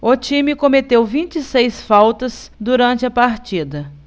o time cometeu vinte e seis faltas durante a partida